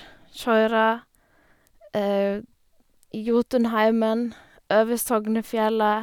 Kjøre Jotunheimen, over Sognefjellet.